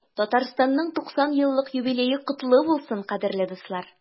Татарстанның 90 еллык юбилее котлы булсын, кадерле дуслар!